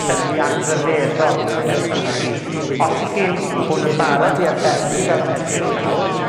tyfiant rhyfeddol flwyddyn nesa, fechy os 'ych chi'n bod yn barod i aberthu fel ma'n edrych nawr,